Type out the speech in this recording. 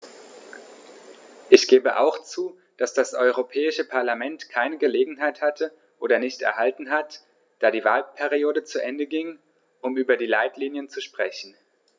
Ich gebe auch zu, dass das Europäische Parlament keine Gelegenheit hatte - oder nicht erhalten hat, da die Wahlperiode zu Ende ging -, um über die Leitlinien zu sprechen.